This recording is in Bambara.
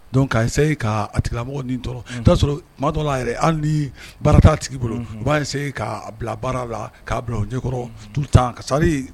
Don ka seyi k ka tigilamɔgɔ ni tɔɔrɔ t'a sɔrɔ maa dɔ a yɛrɛ hali baarata tigi bolo u b'a se ka bila baara la k'a bila ɲɛkɔrɔ tu tan ka sari